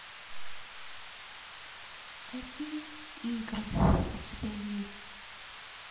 какие игры у тебя есть